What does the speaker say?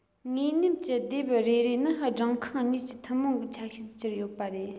ངོས མཉམ གྱི ལྡེབས རེ རེ ནི སྦྲང ཁང གཉིས ཀྱི ཐུན མོང གི ཆ ཤས སུ གྱུར ཡོད པ རེད